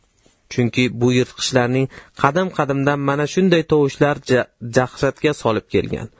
chunki bu yirtqichlarni qadim qadimdan xuddi mana shunday tovushlar dahshatga solib kelgan